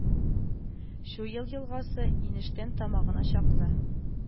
Чуел елгасы, инештән тамагына чаклы